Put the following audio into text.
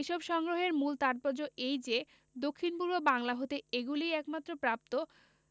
এসব সংগ্রহের মূল তাৎপর্য এই যে দক্ষিণ পূর্ব বাংলা হতে এগুলিই একমাত্র প্রাপ্ত